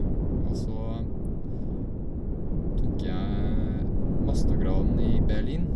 Og så tok jeg mastergraden i Berlin.